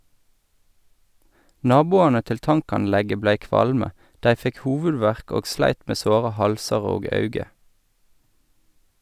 Naboane til tankanlegget blei kvalme, dei fekk hovudverk og sleit med såre halsar og auge.